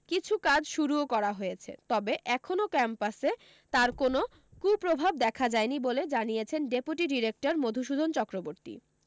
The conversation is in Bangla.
কিছু কাজ শুরুও করা হয়েছে তবে এখনও ক্যাম্পাসে তার কোনও কূপ্রভাব দেখা যায়নি বলে জানিয়েছেন ডেপুটি ডিরেকটর মধুসূদন চক্রবর্তী